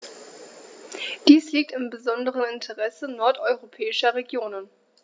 Dies liegt im besonderen Interesse nordeuropäischer Regionen.